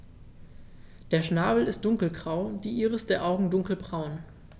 Der Schnabel ist dunkelgrau, die Iris der Augen dunkelbraun.